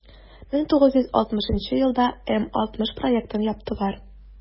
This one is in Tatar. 1960 елда м-60 проектын яптылар.